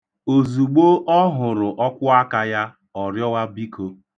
Ozugbo ọ hụrụ ọkwụaka ya, ọ rịọwa biko.̣